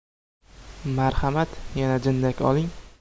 marhamat yana jindak oling